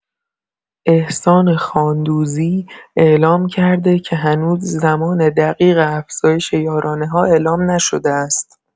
احسان خاندوزی اعلام کرده که هنوز زمان دقیق افزایش یارانه‌ها اعلام نشده است.